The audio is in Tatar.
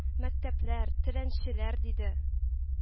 — мәткәпләр, теләнчеләр,— диде